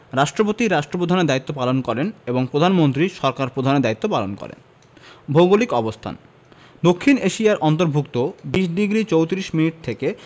রাষ্ট্রপতি রাষ্ট্রপ্রধানের দায়িত্ব পালন করেন এবং প্রধানমন্ত্রী সরকার প্রধানের দায়িত্ব পালন করেন ভৌগোলিক অবস্থানঃ দক্ষিণ এশিয়ার অন্তর্ভুক্ত ২০ডিগ্রি ৩৪ মিনিট থেকে